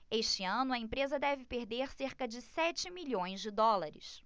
este ano a empresa deve perder cerca de sete milhões de dólares